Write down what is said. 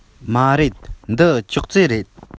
མ རེད འདི ཅོག ཙེ རེད